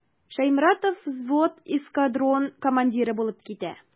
Шәйморатов взвод, эскадрон командиры булып китә.